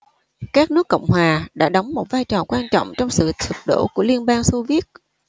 các nước cộng hòa đã đóng một vai trò quan trọng trong sự sụp đổ của liên bang xô viết